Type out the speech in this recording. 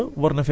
parfait